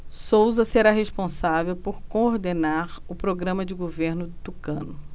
souza será responsável por coordenar o programa de governo do tucano